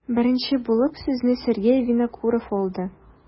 Беренче булып сүзне Сергей Винокуров алды.